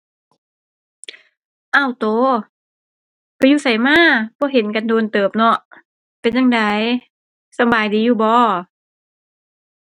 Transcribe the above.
อ้าวตัว ไปอยู่ไสมา บ่เห็นกันโดนเติบเนาะ เป็นจั่งใดสำบายดีอยู่บ่